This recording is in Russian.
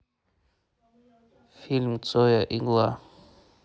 фильм цоя игла